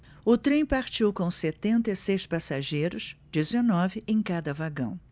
o trem partiu com setenta e seis passageiros dezenove em cada vagão